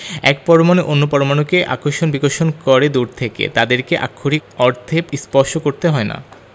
এক পরমাণু অন্য পরমাণুকে আকর্ষণ বিকর্ষণ করে দূর থেকে তাদেরকে আক্ষরিক অর্থে স্পর্শ করতে হয় না